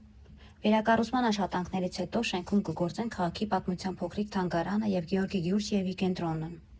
Վերակառուցման աշխատանքներից հետո շենքում կգործեն քաղաքի պատմության փոքրիկ թանգարանը և Գեորգի Գյուրջիևի կենտրոնը։